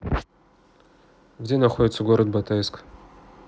где находится город батайск